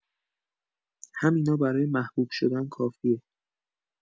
همینا برای محبوب شدن، کافیه.